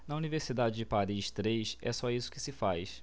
na universidade de paris três é só isso que se faz